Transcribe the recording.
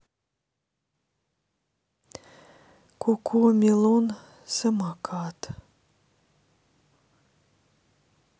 коко мелон самокат